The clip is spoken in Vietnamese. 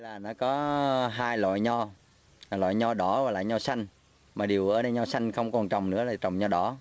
là nó có hai loại nho là loại nho đỏ nho xanh nho xanh không quan trọng nữa là trồng nho đỏ